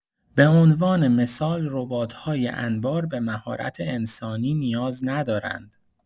به‌عنوان‌مثال ربات‌های انبار به مهارت انسانی نیاز ندارند.